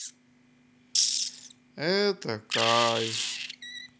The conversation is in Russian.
это кай